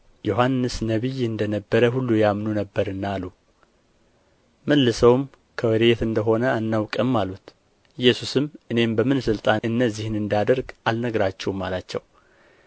ዮሐንስ ነቢይ እንደ ነበረ ሁሉ ያምኑ ነበርና አሉ መልሰውም ከወዴት እንደ ሆነ አናውቅም አሉት ኢየሱስም እኔም በምን ሥልጣን እነዚህን እንዳደርግ አልነግራችሁም አላቸው